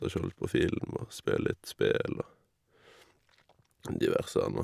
Og sjå litt på film og spille litt spill og diverse anna.